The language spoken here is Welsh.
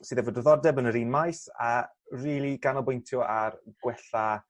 sydd efo diddordeb yn yr un maes a rili ganolbwyntio ar gwella